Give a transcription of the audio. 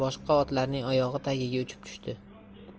boshqa otlarning oyog'i tagiga uchib tushdi